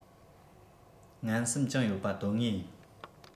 ངན སེམས བཅངས ཡོད པ དོན དངོས ཡིན